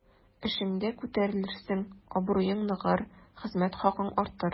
Эшеңдә күтәрелерсең, абруең ныгыр, хезмәт хакың артыр.